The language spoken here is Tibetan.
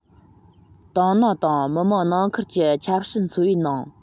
ཏང ནང དང མི དམངས ནང ཁུལ གྱི ཆབ སྲིད འཚོ བའི ནང